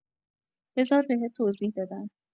بذار بهت توضیح بدم